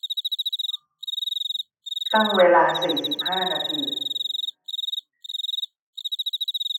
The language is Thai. ตั้งเวลาสี่สิบห้านาที